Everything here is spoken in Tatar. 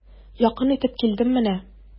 Якын итеп килдем менә.